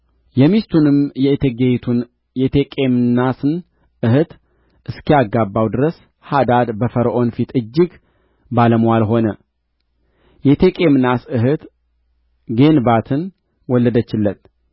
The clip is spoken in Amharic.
የሚስቱንም የእቴጌይቱን የቴቄምናስን እኅት እስኪያጋባው ድረስ ሃዳድ በፈርዖን ፊት እጅግ ባለምዋል ሆነ የቴቄምናስ እኅት ጌንባትን ወለደችለት